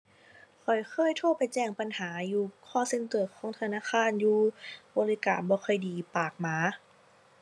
ข้อยเคยโทรไปแจ้งปัญหาอยู่ call center ของธนาคารอยู่ บริการบ่ค่อยดี ปากหมา